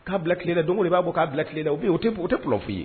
Ka bila kile la don o don i ba bɔ ka bila kile la. O tɛ problème foyi ye.